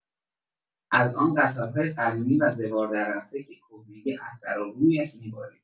از آن قطارهای قدیمی و زوار دررفته که کهنگی از سر و رویش می‌بارید.